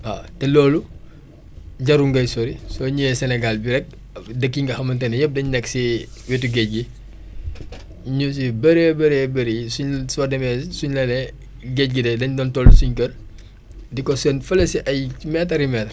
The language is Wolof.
waaw te loolu jarul ngay sori soo ñëwee Sénégal bii rek dëkk yi nga xamante ni yëpp dañ nekk si wetu géej gi ñu si bëree bëree bëri suñ soo demee suñ la nee géej gi de dañ doon tollu suñ kër di ko séen fële si ay mètres i mètres